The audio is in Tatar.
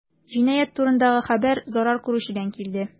Җинаять турындагы хәбәр зарар күрүчедән килде.